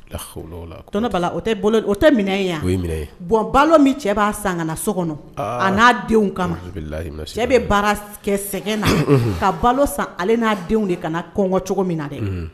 Bala tɛ balo min cɛ b'a san ka na so kɔnɔ a n'a denw kama cɛ bɛsɛ na ka balo san ale n'a denw de ka na kɔnɔn cogo min na dɛ